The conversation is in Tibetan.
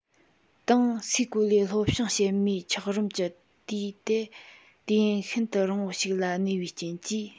དང སའི གོ ལའི ལྷོ བྱང ཕྱེད མའི འཁྱགས རོམ གྱི དུས དེ དུས ཡུན ཤིན ཏུ རིང པོ ཞིག ལ གནས པའི རྐྱེན གྱིས